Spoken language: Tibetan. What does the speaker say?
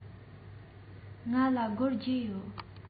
ང ལ སྒོར བརྒྱད ཡོད